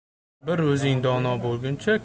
bir o'zing dono bo'lguncha